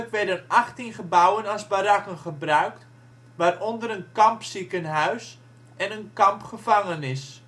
werden achttien gebouwen als barakken gebruikt, waaronder een kampziekenhuis en een kampgevangenis